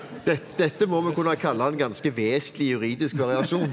det dette må vi kunne kalle en ganske vesentlig juridisk variasjon.